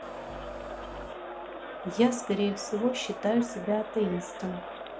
я скорее всего считаю себя атеистом